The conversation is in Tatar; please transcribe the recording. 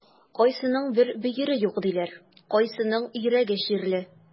Кайсының бер бөере юк диләр, кайсының йөрәге чирле.